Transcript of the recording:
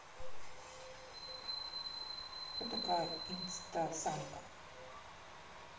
кто такая инстасамка